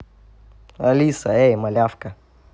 алиса эй малявка